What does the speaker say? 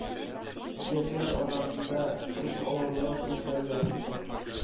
Яшьләр арасында үз авырлык үлчәүләрендә